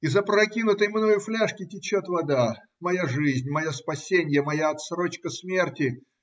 Из опрокинутой мною фляжки течет вода, моя жизнь, мое спасенье, моя отсрочка смерти.